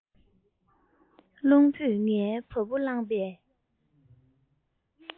རླུང བུས ངའི བ སྤུ བསླངས པས